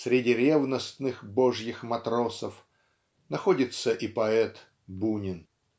среди ревностных Божьих матросов находится и поэт Бунин.